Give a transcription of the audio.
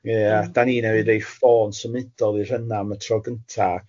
ie, dan ni newydd roi ffôn symudol i' hynna'm y tro gynta.